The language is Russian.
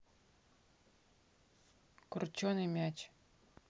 крученый мяч